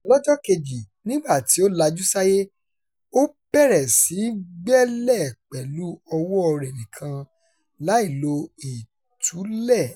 Lọ́jọ́ kejì, nígbà tí ó lajú sáyé, ó bẹ̀rẹ̀ síí gbẹ́lẹ̀ pẹ̀lú ọwọ́ọ rẹ̀ nìkan láì lo ìtúlẹ̀.